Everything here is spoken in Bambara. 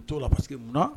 U t'o la parce que mun